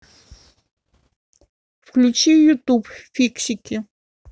включи ютуб фиксики